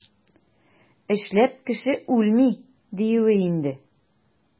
Эшләп кеше үлми, диюе инде.